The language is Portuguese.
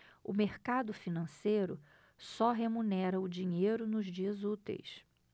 o mercado financeiro só remunera o dinheiro nos dias úteis